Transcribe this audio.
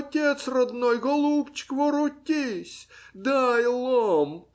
Отец родной, голубчик, воротись! Дай лом!